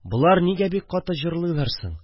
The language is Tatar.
Болар нигә бик каты җырлыйлар соң